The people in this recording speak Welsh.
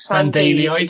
Pan-deiliaid.